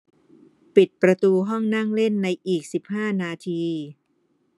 ปิดประตูห้องนั่งเล่นในอีกสิบห้านาที